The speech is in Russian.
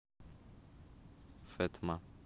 fatma